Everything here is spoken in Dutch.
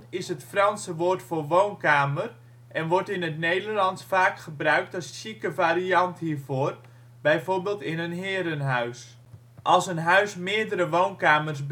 Franse woord voor woonkamer en wordt in het Nederlands vaak gebruikt als chique variant hiervoor, bijvoorbeeld in een herenhuis. Als een huis meerder woonkamers bezit